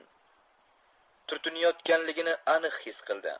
turtinayotganligini aniq his qildi